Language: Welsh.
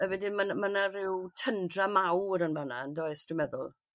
A wedyn ma' 'n- ma' 'na ryw tyndra mawr yn fan 'na yndoes dwi'n meddwl.